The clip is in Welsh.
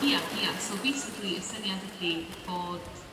Ia ia so basically y syniad ydi bod